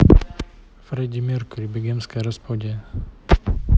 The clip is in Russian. freddie mercury богемская рапсодия